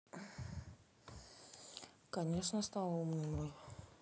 конечно стала умный мой